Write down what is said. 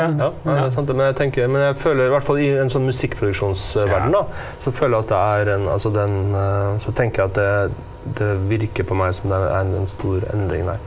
ja nei det er sant det, men jeg tenker men jeg føler i hvert fall i en sånn musikkproduksjonsverden da, så føler jeg at det er en altså den så tenker jeg at det det virker på meg som det er en stor endring der.